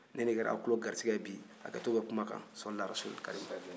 nin de kɛra a tulon garisɛgɛ bi hakɛto bɛ kuma kan sɔli rasuli